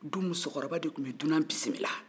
du musokɔrɔba de tun bɛ dunan bisimila